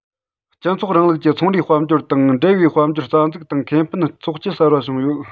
སྤྱི ཚོགས རིང ལུགས ཀྱི ཚོང རའི དཔལ འབྱོར དང འབྲེལ བའི དཔལ འབྱོར རྩ འཛུགས དང ཁེ ཕན ཚོགས སྤྱི གསར པ བྱུང ཡོད